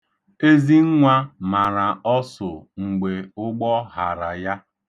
Ezinnwa mara ọsụ mgbe ụgbọ hara ya.